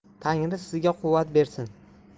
tangri sizga quvvat bersin